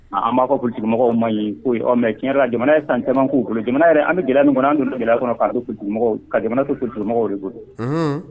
B'a fɔ kulu kojugumɔgɔ man ye ko mɛ tiɲɛ la jamana ye san caman k'u bolo jamana yɛrɛ an bɛ gɛlɛya ni kɔnɔ an dun gɛlɛya kɔnɔ ka jamana to kulu kojugumɔgɔ de bolo don